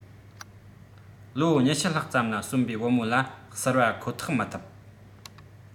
ལོ ༢༠ ལྷག ཙམ ལ སོན པའི བུ མོ ལ བསིལ བ ཁོ ཐག མི ཐུབ